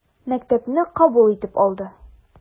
Мәктәпне кабул итеп алды.